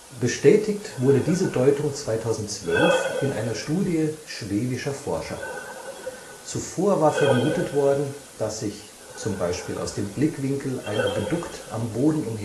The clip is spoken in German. Bestätigt wurde diese Deutung 2012 in einer Studie schwedischer Forscher. Zuvor war vermutet worden, dass sich − zum Beispiel aus dem Blickwinkel einer geduckt am Boden